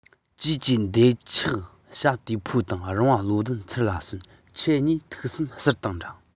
ཀྱེ ཀྱེ འདབ ཆགས ཁྱིམ བྱ དེ ཕོ དང རི བོང བློ ལྡན ཚུར ལ གསོན ཁྱེད གཉིས ཐུགས བསམ གསེར དང འདྲ